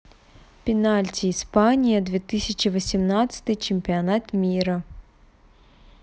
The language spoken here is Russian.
пенальти испания две тысячи восемнадцатый чемпионата мира